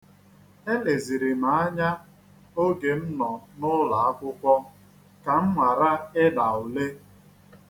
E leziri m anya oge m nọ n'ụlọakwụkwọ ka m ghara ịda ule.